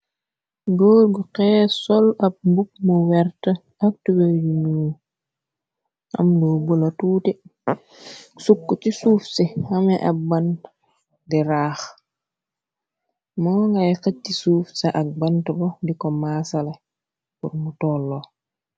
Goor gu xee sol ab buk mu wert aktube ynnu am lo bu la tuute sukk ci suuf si ame ab bant di raax moo ngay xëj ci suuf ca ak bant bo diko maasale bur mu tollo.